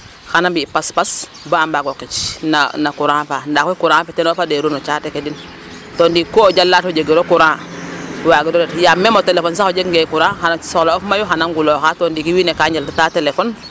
xan mbi' pas pas ba a mbaag o qicna courant fa ndaa koy courant ten o faderu no caate ke den te ndiiki ku jala to jegiro courant waagiro ret meme téléphone sax o jegangee courant xan a soxla of mayu xay ta ngulooxa to ndiiki wiin we gaa njaltataa telephone.